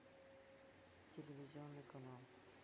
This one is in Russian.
телевизионный канал